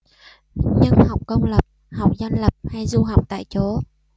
nhưng học công lập học dân lập hay du học tại chỗ